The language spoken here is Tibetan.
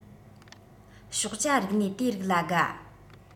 ཞོགས ཇ རིག གནས དེ རིགས ལ དགའ